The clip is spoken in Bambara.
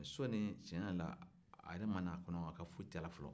so in tiɲɛ yɛrɛ la a yɛrɛ ma n'a kɔnɔ a ka foyi t'a la fɔlɔ